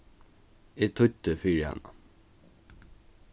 eg týddi fyri hana